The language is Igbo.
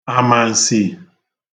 àmànsi